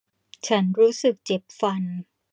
ฉันรู้สึกเจ็บฟัน